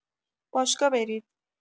باشگا برید